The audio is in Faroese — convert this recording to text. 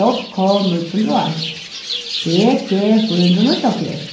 j k níggju hundrað og eitt v g fýra hundrað og níggjuoghálvfjerðs